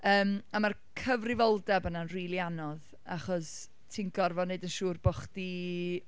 Yym, a mae'r cyfrifoldeb yna'n rili anodd, achos ti'n gorfod wneud yn siŵr bo’ chdi...